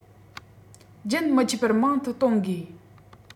རྒྱུན མི ཆད པར མང དུ གཏོང དགོས